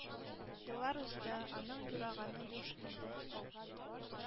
Еллар узды. Аның юраганы юш килде.